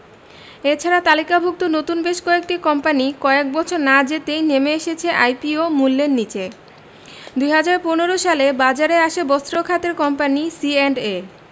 এ ছাড়া তালিকাভুক্ত নতুন বেশ কয়েকটি কোম্পানি কয়েক বছর না যেতেই নেমে এসেছে আইপিও মূল্যের নিচে ২০১৫ সালে বাজারে আসে বস্ত্র খাতের কোম্পানি সিঅ্যান্ডএ